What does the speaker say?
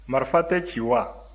marifa tɛ ci wa